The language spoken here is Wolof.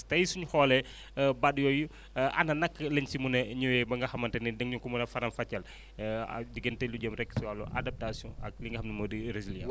tey su ñu xoolee baat yooyu ana naka lañ si mën a ñëwee ba nga xamante ni da nga ñu ko mën a faram-fàcceel diggante lu jëm rek si wàllu adaptation ak li nga xam moo di résilience